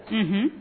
Unhun